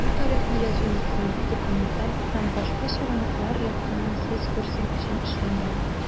Бу тарихны язу нигезенә документаль һәм башка чыгынаклыр ятканын сез күрсен өчен эшләнгән.